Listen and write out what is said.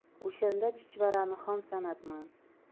o'shanda chuchvarani xom sanabman